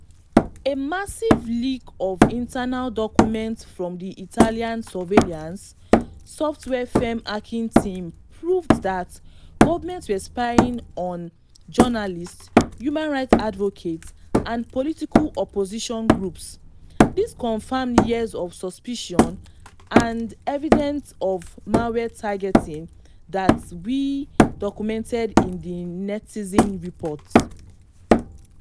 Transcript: A massive leak of internal documents from the Italian surveillance software firm Hacking Team proved that governments were spying on journalists, human rights advocates, and political opposition groups — this confirmed years of suspicion and evidence of malware targeting that we documented in the Netizen Report.